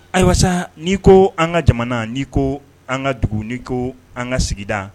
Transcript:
Ayiwa n'i ko an ka jamana ni ko an ka dugu ni ko an ka sigida